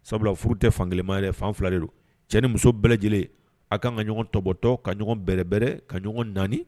Sabula furu tɛ fankelen ma ye dɛ, fan fila de don, cɛ ni muso bɛɛ lajɛlen a ka kan ka ɲɔgɔn tɔbɔtɔ, ka ɲɔgɔn bɛrɛrɛ ka ɲɔgɔn naani